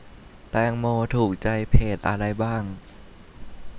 แตงโมถูกใจเพจอะไรบ้าง